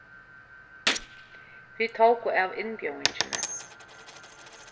vit tóku av innbjóðingini